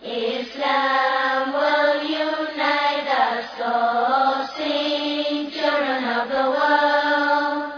Ee saba mɔgɔ yo na ka sɔrɔ se camanbɔ